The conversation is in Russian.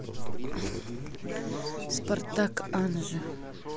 спартак анжи